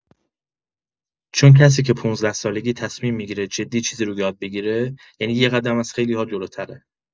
چون کسی که ۱۵ سالگی تصمیم می‌گیره جدی چیزی رو یاد بگیره، یعنی یه قدم از خیلی‌ها جلوتره.